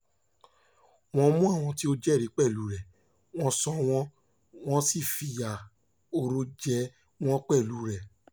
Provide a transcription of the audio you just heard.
Wọ́n mú àwọn tó jẹ́rìí pẹ̀lú rẹ̀, wọ́n so wọ́n, wọ́n sì fi ìyà oró jẹ wọ́n pẹ̀lú rẹ̀.